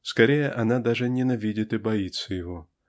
скорее, она даже ненавидит и боится его.